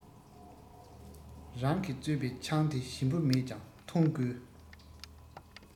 རང གིས བཙོས པའི ཆང དེ ཞིམ པོ མེད ཀྱང འཐུང དགོས